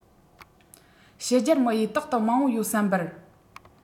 ཕྱི རྒྱལ མི ཡིས རྟག ཏུ མང པོ ཡོད བསམ པར